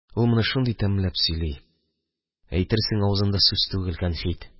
Ул моны шундый тәмләп сөйли, әйтерсең авызында сүз түгел, кәнфит.